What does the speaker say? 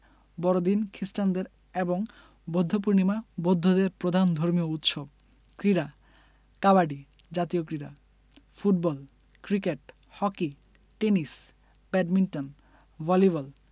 বড়দিন খ্রিস্টানদের এবং বৌদ্ধপূর্ণিমা বৌদ্ধদের প্রধান ধর্মীয় উৎসব ক্রীড়াঃ কাবাডি জাতীয় ক্রীড়া football cricket hockey tennis badminton volleyball